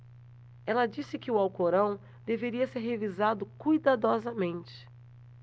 ela disse que o alcorão deveria ser revisado cuidadosamente